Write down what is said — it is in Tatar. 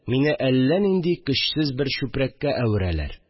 Мине әллә нинди көчсез бер чүпрәккә әверәләр